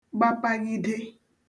gbapaghide